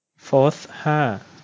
โฟธห้า